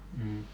mm